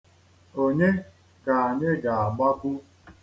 Onye ka anyị ga-agbakwu?